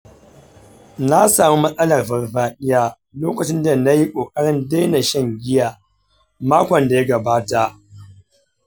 na sami matsalar farfadiya lokacin da na yi ƙoƙarin daina shan giya makon da ya gabata.